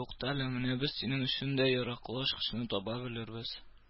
Туктале, менә без синең өчен дә яраклы ачкычны таба белербез